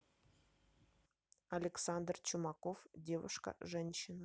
александр чумаков девушка женщина